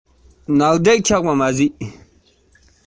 ཡིད དབང འཕྲོག དགོས པ ཞིག རེད